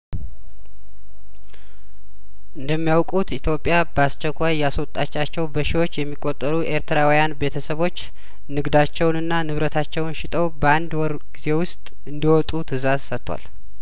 እንደሚ ያውቁት ኢትዮጵያ በአስቸኳይ ያስወጣቻቸው በሺዎች የሚቆጠሩ ኤርትራውያን ቤተሰቦችን ግዳቸውንና ንብረታቸውን ሸጠው በአንድ ወር ጊዜ ውስጥ እንዲወጡ ትእዛዝ ሰቷል